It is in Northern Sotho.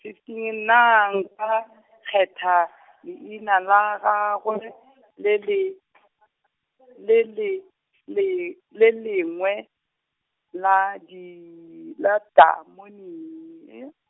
fifteen ye na nka kgetha leina la gagwe, le le, le le le, le lengwe la di, la damoni-, hee.